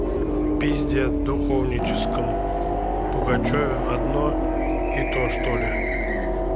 пиздец духовническом пугачеве одно и то что ли